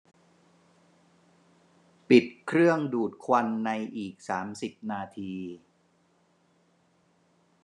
ปิดเครื่องดูดควันในอีกสามสิบนาที